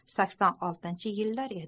sakson oltinchi yil edi